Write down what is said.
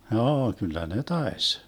joo kyllä ne taisi